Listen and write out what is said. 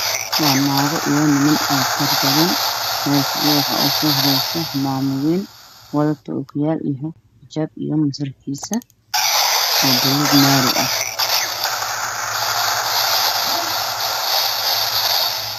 Waa niman iyo naago meel fadhiyo waxaa ugu soo horeyso maamo wadato ookiyaalo xijaab iyo masarkiisa oo buluug maari ah.